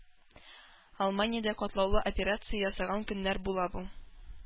Алманиядә катлаулы операция ясаган көннәр була бу.